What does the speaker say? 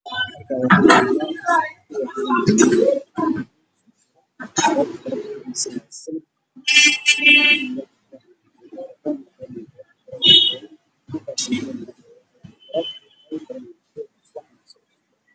Waa guri ganjeelka waa buluug silig baa ku wareegsan